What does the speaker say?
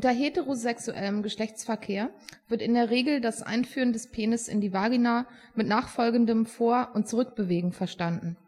heterosexuellem Geschlechtsverkehr “wird in der Regel das Einführen des Penis in die Vagina mit nachfolgendem Vor - und Zurückbewegen verstanden